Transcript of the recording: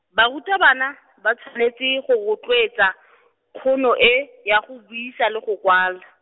barutabana, ba tshwanetse go rotloetsa , kgono e, ya go buisa le go kwala.